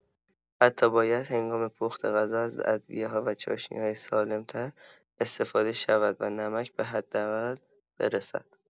حتی باید هنگام پخت غذا از ادویه‌ها و چاشنی‌های سالم‌تر استفاده شود و نمک به حداقل برسد.